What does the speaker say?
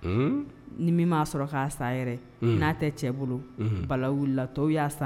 Un ni min ma sɔrɔ ka a san yɛrɛ ye, un, n'a tɛ cɛ bolo, unhun, balawu wilila tɔw y'a san